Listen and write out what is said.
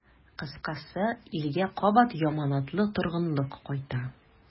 Кыскасы, илгә кабат яманатлы торгынлык кайта.